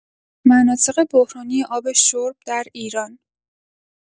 مناطق بحرانی آب شرب در ایران